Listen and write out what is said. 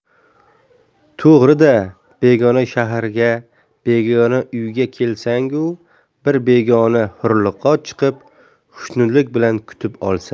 to'g'ri da begona shaharga begona uyga kelsangu bir begona huriliqo chiqib xushnudlik bilan kutib olsa